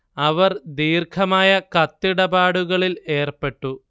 അവർ ദീർഘമായ കത്തിടപാടുകളിൽ ഏർപ്പെട്ടു